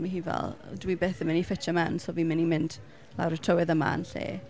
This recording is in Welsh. A ma' hi fel "dwi byth yn mynd i ffitio mewn so fi'n mynd i mynd lawr y trywydd yma yn lle".